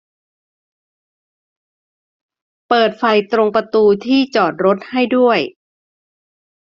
เปิดไฟตรงประตูที่จอดรถให้ด้วย